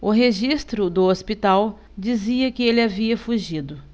o registro do hospital dizia que ele havia fugido